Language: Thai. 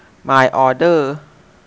มายออเดอร์